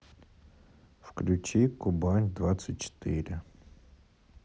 включи кубань двадцать четыре